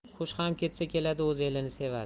qush ham ketsa keladi o'z elini sevadi